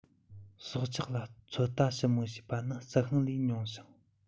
སྲོག ཆགས ལ ཚོད ལྟ ཞིབ མོ བྱས པ ནི རྩི ཤིང ལས ཉུང ཞིང